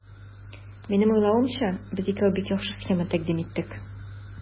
Минем уйлавымча, без икәү бик яхшы схема тәкъдим иттек.